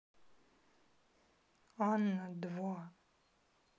анна два